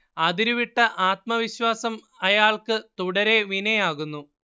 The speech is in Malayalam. അതിരുവിട്ട ആത്മവിശ്വാസം അയാൾക്ക് തുടരെ വിനയാകുന്നു